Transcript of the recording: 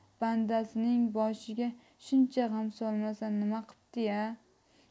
bandasining boshiga shuncha g'am solmasa nima qipti ya